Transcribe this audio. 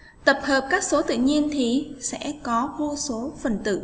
tập hợp các số tự nhiên thì sẽ có vô số phần tử